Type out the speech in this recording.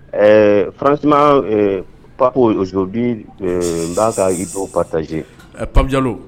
Ɛɛ faranti pakosoobi n b'a ka i baw pataz panppijalo